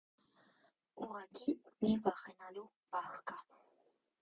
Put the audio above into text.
Ուղղակի մի վախենալու պահ կա.